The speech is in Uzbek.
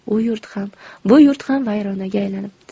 u yurt ham bu yurt ham vayronaga aylanibdi